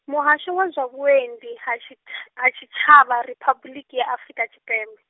Muhasho wa zwa Vhuendi ha Tshi-, ha Tshitshavha Riphabuḽiki ya Afurika Tshipembe.